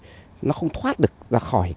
nó không thoát được ra khỏi